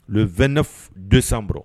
le 29 décembre